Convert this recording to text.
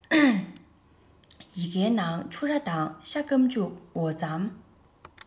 ཡི གེའི ནང ཕྱུར ར དང ཤ སྐམ ལྕུག འོ རྩམ